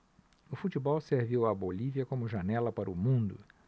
o futebol serviu à bolívia como janela para o mundo